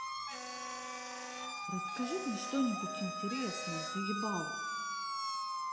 расскажи мне что нибудь интересное заебало